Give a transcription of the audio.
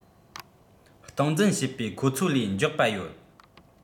སྟངས འཛིན བྱེད པའི ཁོ ཚོ ལས མགྱོགས པ ཡོད